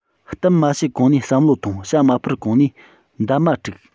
གཏམ མ བཤད གོང ནས བསམ བློ གཏོང བྱ མ འཕུར གོང ནས འདབ མ སྤྲུག